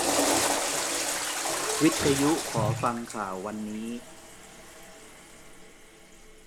วิทยุขอฟังข่าววันนี้